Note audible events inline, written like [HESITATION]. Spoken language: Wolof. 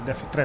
[HESITATION] [HESITATION]